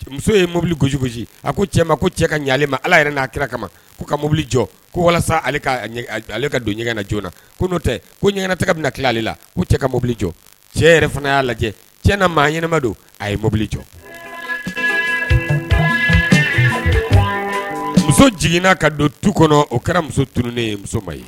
Muso ye mobili gosi gosi a ko cɛ ma ko cɛ ka ɲaale ma ala yɛrɛ n'a kira kama' ka mobili jɔ ko walasa ale ale ka don ɲɛgɛnanajɔ na ko n'o tɛ ko ɲɛgɛnanataa bɛna tila ale la ko cɛ ka mobili jɔ cɛ yɛrɛ fana y'a lajɛ cɛ na maa ɲɛnaɛnɛma don a ye mɔbili jɔ muso jigin'a ka don tu kɔnɔ o kɛra muso tunurununnen ye muso ma ye